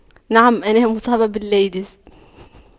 نعم انا مصابة بالإيدز